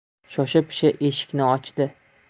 shosha pisha eshikni ochdi